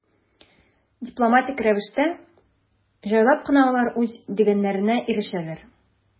Дипломатик рәвештә, җайлап кына алар үз дигәннәренә ирешәләр.